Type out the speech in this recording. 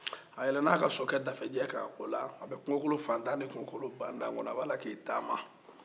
a yɛlɛla a ka sokɛ dafejɛ kan a ola a bɛ kungokolon fatan ni kungokolon batan kɔnɔ a b'a la k'i taama